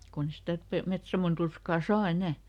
kun ei sitä - Petsamon turskaa saa enää